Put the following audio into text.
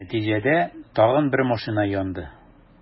Нәтиҗәдә, тагын бер машина янды.